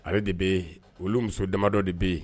Ale de bɛ yen ,olu muso damadɔ de bɛ yen.